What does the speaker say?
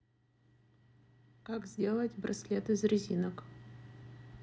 как сделать браслет из резинок